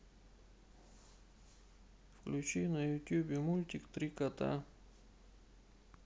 включи на ютубе мультик три кота